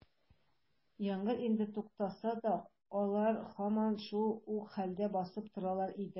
Яңгыр инде туктаса да, алар һаман да шул ук хәлдә басып торалар иде.